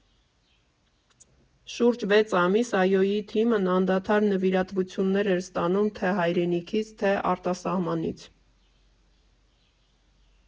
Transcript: Շուրջ վեց ամիս ԱՅՈ֊ի թիմն անդադար նվիրատվություններ էր ստանում թե՛ հայրենիքից, թե՛ արտասահմանից։